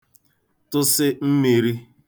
tụsị mmīrī